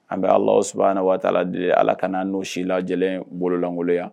An bɛ ala3 na waa' de ala kana no si la lajɛlen bololankolo yan